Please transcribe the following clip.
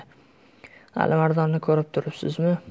alimardonni ko'rib turibsizmi